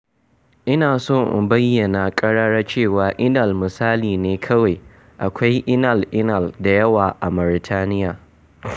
Ina so in bayyana ƙarara cewa Inal misali ne kawai; akwai 'Inal-inal' da yawa a Mauritaniya.